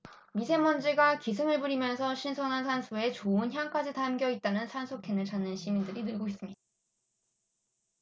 미세먼지가 기승을 부리면서 신선한 산소에 좋은 향까지 담겨 있다는 산소캔을 찾는 시민들이 늘고 있습니다